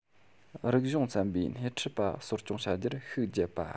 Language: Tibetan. རིག གཞུང ཚན པའི སྣེ འཁྲིད པ གསོ སྐྱོང བྱ རྒྱུར ཤུགས བརྒྱབ པ